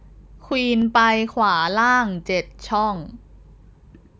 ควีนไปขวาล่างเจ็ดช่อง